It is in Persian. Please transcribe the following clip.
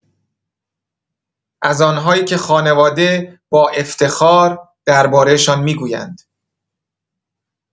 از آن‌هایی که خانواده با افتخار درباره‌شان می‌گویند.